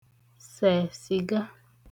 sẹ̀ sị̀ga